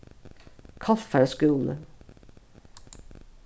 kollafjarðar skúli